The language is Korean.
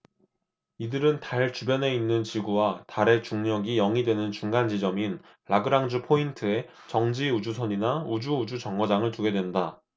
이들은 달 주변에 있는 지구와 달의 중력이 영 이 되는 중간 지점인 라그랑쥬포인트에 정지 우주선이나 우주우주정거장을 두게 된다